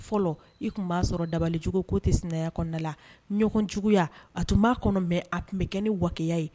Fɔlɔ i tun b'a sɔrɔ dabalijugu k'o te sinaya kɔɔna la ɲɔgɔnjuguya a tun b'a kɔnɔ mais a tun be kɛ ni wakeya ye